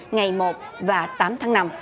ngày một và tám tháng năm